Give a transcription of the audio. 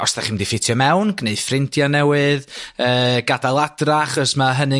os 'da chi'n mynd i ffitio mewn g'neud ffrindia' newydd yy gadael adra achos ma' hynny'n